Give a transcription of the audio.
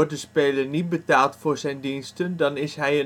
de speler niet betaald voor zijn diensten, dan is hij